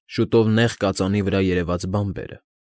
Շուտով նեղ կածանի վրա երևաց բանբերը։